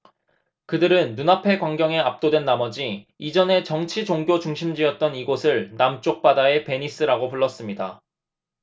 그들은 눈앞의 광경에 압도된 나머지 이전에 정치 종교 중심지였던 이곳을 남쪽 바다의 베니스라고 불렀습니다